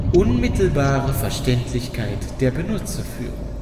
Unmittelbare Verständlichkeit der Benutzerführung